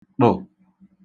tụ̀